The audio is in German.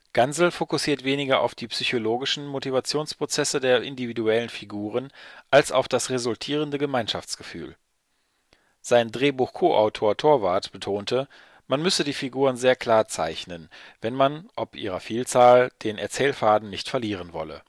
Gansel fokussiert weniger auf die psychologischen Motivationsprozesse der individuellen Figuren als auf das resultierende Gemeinschaftsgefühl. Sein Drehbuchkoautor Thorwarth betonte, man müsse die Figuren sehr klar zeichnen, wenn man ob ihrer Vielzahl den Erzählfaden nicht verlieren wolle